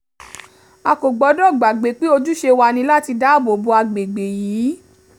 A kò gbọdọ̀ gbàgbé pé ojúṣe wa ni láti dáàbò bo agbègbè yìí.